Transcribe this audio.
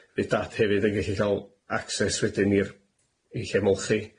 bydd dad hefyd yn gellu ca'l access wedyn i'r- i lle molchi